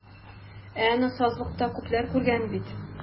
Ә аны сазлыкта күпләр күргән бит.